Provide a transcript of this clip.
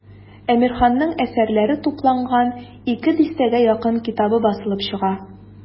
Әмирханның әсәрләре тупланган ике дистәгә якын китабы басылып чыга.